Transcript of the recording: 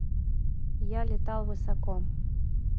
я летал высоко